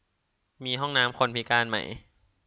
มีห้องน้ำคนพิการไหม